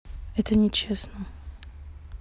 это нечестно